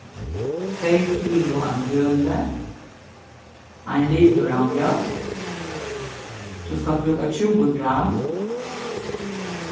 tvey kilo av mjøli ein litur av mjólk tú skalt brúka tjúgu gramm